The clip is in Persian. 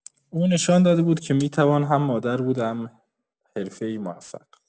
او نشان داده بود که می‌توان هم مادر بود و هم حرفه‌ای موفق.